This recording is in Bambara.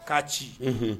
K'a ci, unhun